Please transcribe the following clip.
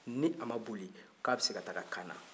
ni a ma boli ko a bɛ se ka taa kaana